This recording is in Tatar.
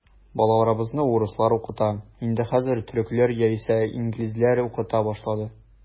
Балаларыбызны урыслар укыта, инде хәзер төрекләр яисә инглизләр укыта башлады.